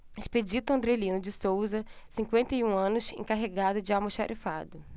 expedito andrelino de souza cinquenta e um anos encarregado de almoxarifado